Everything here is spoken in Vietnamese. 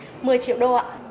mười triệu đô ạ